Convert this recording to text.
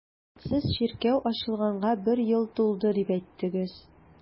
Сез чиркәү ачылганга бер ел тулды дип әйттегез.